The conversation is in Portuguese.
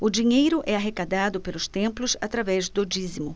o dinheiro é arrecadado pelos templos através do dízimo